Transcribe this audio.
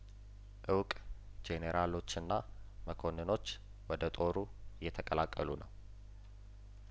እውቅ ጄኔራሎችና መኮንኖች ወደ ጦሩ እየተቀላቀሉ ነው